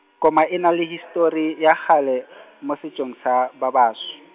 koma e na le histori ya kgale, mo setšong sa babaso.